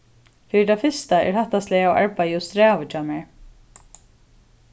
fyri tað fyrsta er hatta slagið av arbeiði ov strævið hjá mær